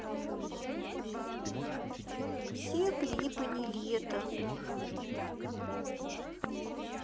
все клипы нилетто